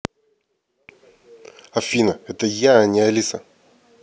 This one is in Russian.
афина это я а не алиса